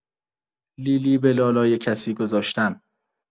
لی‌لی به لالای کسی گذاشتن